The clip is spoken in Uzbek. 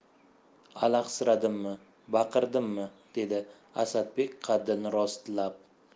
alahsiradimmi baqirdimmi dedi asadbek qaddini rostlab